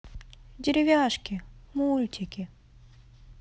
деревяшки мультики